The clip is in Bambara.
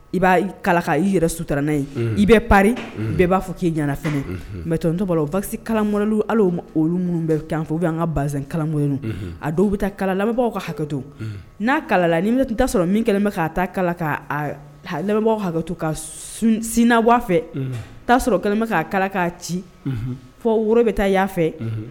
I' kala yɛrɛ suta n'a ye i bɛ pan bɛɛ b'a fɔ k' ɲf mɛtɔ basi kala olu minnu bɛ bɛ an ka ba kalay a dɔw bɛ taa kalabagaw ka hakɛto n'a kalala ni tun t'a sɔrɔ minbagaw hakɛ ka sininawa fɛ'a sɔrɔ kɛlen'a kala' ci fɔ woro bɛ taa fɛ